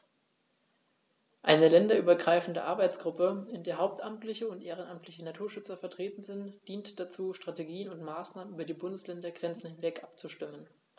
Eine länderübergreifende Arbeitsgruppe, in der hauptamtliche und ehrenamtliche Naturschützer vertreten sind, dient dazu, Strategien und Maßnahmen über die Bundesländergrenzen hinweg abzustimmen.